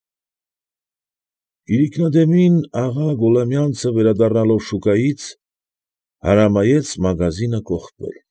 Իրիկնադեմին աղա Գուլամյանցը, վերադառնալով շուկայից, հրամայեց մագազինը կողպել։